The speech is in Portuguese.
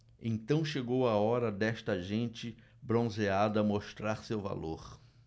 então chegou a hora desta gente bronzeada mostrar seu valor